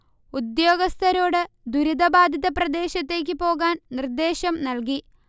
ഉദ്യോഗസഥരോട് ദുരിതബാധിത പ്രദേശത്തേക്ക് പോകാൻ നിർദേശം നൽകി